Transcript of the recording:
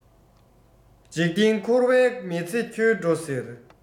འཇིག རྟེན འཁོར བའི མི ཚེ འཁྱོལ འགྲོ ཟེར